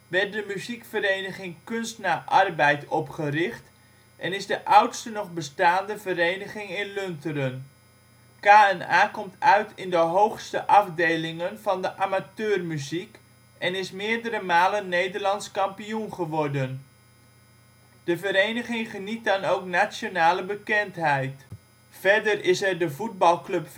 werd de muziekvereniging Kunst Na Arbeid opgericht en is de oudste nog bestaande vereniging in Lunteren. KNA komt uit in de hoogste afdelingen van de amateurmuziek en is meerdere malen Nederlands kampioen geworden. De vereniging geniet dan ook nationale bekendheid. Verder is er de voetbalclub